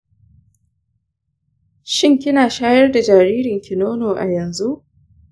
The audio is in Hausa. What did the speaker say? shin kina shayar da jaririnki nono a yanzu?